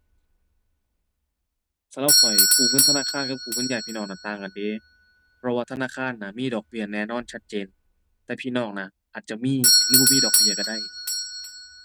สำหรับข้อย กู้เงินธนาคารกับกู้เงินญาติพี่น้องนั้นต่างกันเด้ เพราะว่าธนาคารน่ะมีดอกเบี้ยแน่นอนชัดเจน แต่พี่น้องน่ะ อาจจะมี หรือบ่มีดอกเบี้ยก็ได้